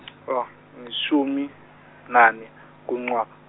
oh ishumi, nane uNcwaba.